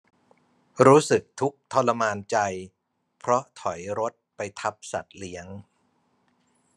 รู้สึกทุกข์ทรมานใจเพราะถอยรถไปทับสัตว์เลี้ยง